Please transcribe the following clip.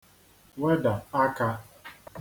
wedà akā